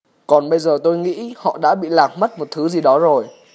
còn bây giờ tôi nghĩ họ đã bị lạc mất một thứ gì đó rồi